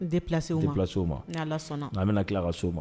deplacés ni allah sɔn na'ma, An bɛna tila ka se u ma!